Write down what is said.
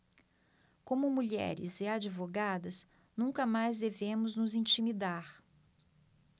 como mulheres e advogadas nunca mais devemos nos intimidar